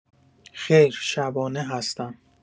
خیر شبانه هستم